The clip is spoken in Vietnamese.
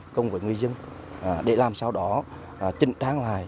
cùng với người dân để làm sao đó chỉnh trang lại